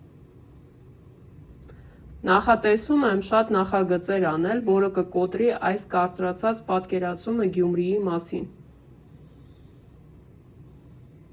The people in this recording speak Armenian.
Նախատեսում եմ շատ նախագծեր անել, որը կկոտրի այս կարծրացած պատկերացումը Գյումրիի մասին։